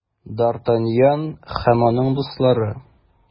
Д’Артаньян һәм аның дуслары.